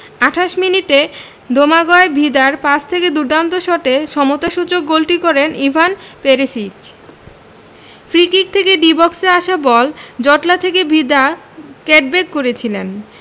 ২৮ মিনিটে দোমাগয় ভিদার পাস থেকে দুর্দান্ত শটে সমতাসূচক গোলটি করেন ইভান পেরিসিচ ফ্রিকিক থেকে ডি বক্সে আসা বল জটলা থেকে ভিদা ক্যাটব্যাক করেছিলেন